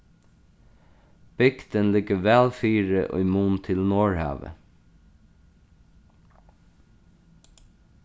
bygdin liggur væl fyri í mun til norðhavið